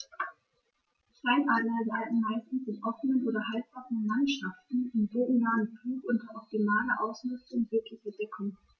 Steinadler jagen meist in offenen oder halboffenen Landschaften im bodennahen Flug unter optimaler Ausnutzung jeglicher Deckung.